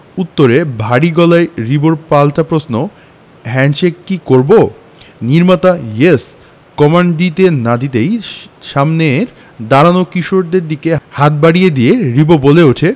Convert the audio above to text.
উত্তরে ভারী গলায় রিবোর পাল্টা প্রশ্ন হ্যান্ডশেক কি করবো নির্মাতা ইয়েস কমান্ড দিতে না দিতেই সামনের দাঁড়ানো কিশোরের দিকে হাত বাড়িয়ে দিয়ে রিবো বলে উঠে